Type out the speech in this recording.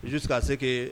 Su ka seke